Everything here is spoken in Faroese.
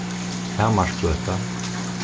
hamarsgøta